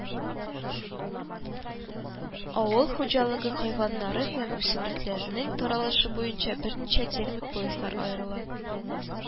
Авыл хуҗалыгы хайваннары һәм үсемлекләренең таралышы буенча берничә термик пояслар аерыла: